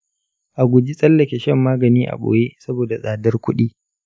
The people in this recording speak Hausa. a guji tsallake shan magani a ɓoye saboda tsadar kuɗi.